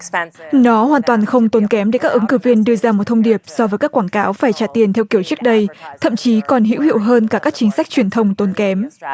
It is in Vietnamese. nó hoàn toàn không tốn kém để các ứng cử viên đưa ra một thông điệp so với các quảng cáo phải trả tiền theo kiểu trước đây thậm chí còn hữu hiệu hơn cả các chính sách truyền thông tốn kém